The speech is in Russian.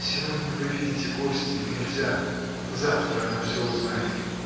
— Сегодня, вы видите, гости: нельзя. Завтра она всё узнает.